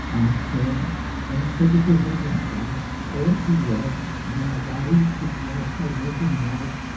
Ac yym yn ystod y dyddie dwetha, o'r diwedd, ma' 'na ddau fudiad hawlie dynol